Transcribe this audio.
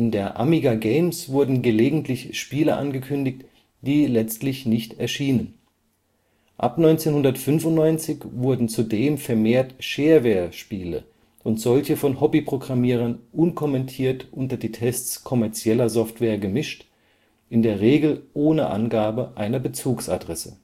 der Amiga Games wurden gelegentlich Spiele angekündigt, die letztlich nicht erschienen. Ab 1995 wurden zudem vermehrt Shareware-Spiele und solche von Hobbyprogrammierern unkommentiert unter die Tests kommerzieller Software gemischt, in der Regel ohne Angabe einer Bezugsadresse